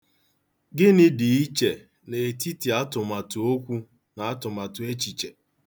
Gịnị dị iche n'etiti atụmatụokwu na atụmatụechiche?